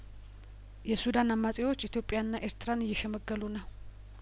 የሱዳን አማጺዎች ኢትዮጵያንና ኤርትራን እየሸ መገሉ ነው